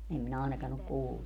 en minä ainakaan ole kuullut